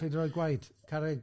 Beidio rhoi gwaed, carreg.